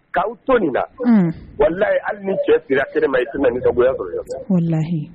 K'aw to nin na wala hali ni cɛ sira kelen ma ye tɛna ka sɔrɔ yan